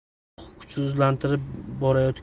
tuproq kuchsizlanib boravergan faqat